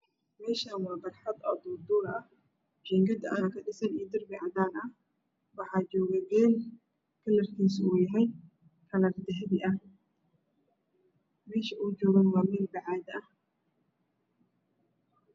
Meshan waa barxad oo dordor ah jingad ayaa kadhisan oi dirbi cadan ah waxa jooga geel jalarkis ow yagay kslar sahbi sh medh oow joogo waa mel bacad ah